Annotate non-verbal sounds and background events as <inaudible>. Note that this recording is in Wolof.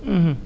<hesitation> %hu